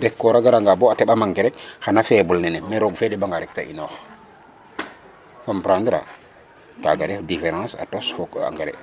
bekor a garanga bo a teƥ a manquer rek xana faible nene mais roog fe deɓanga rek xan a inoox comprendre a kaaga ref différence a tos fo engrais.